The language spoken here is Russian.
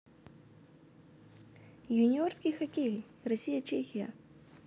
юниорский хоккей россия чехия